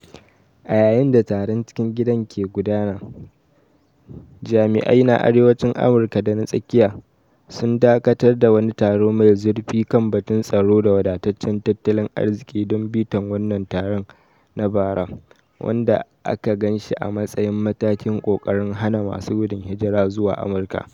A yayin da taron cikin gidan ke guduna, Jami'ai na Arewacin Amurka da na tsakiya sun dakatar da wani taro mai zurfi kan batun tsaro da wadataccen tattalin arziki don bitan wannan taron na bara wanda aka ganshi a matsayin matakin kokarin hana masu gudun hijirar zuwa Amurka.